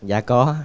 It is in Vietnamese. dạ có ạ